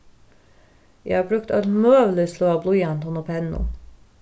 eg havi brúkt øll møgulig sløg av blýantum og pennum